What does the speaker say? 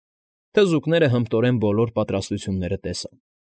Թզուկները հմտորեն բոլոր պատրաստությունները տեսան։